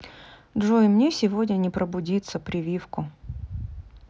джой мне сегодня не пробудится прививку